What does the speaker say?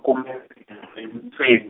kume ntsev-.